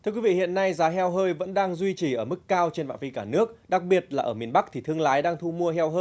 thưa quý vị hiện nay giá heo hơi vẫn đang duy trì ở mức cao trên phạm vi cả nước đặc biệt là ở miền bắc thì thương lái đang thu mua heo hơi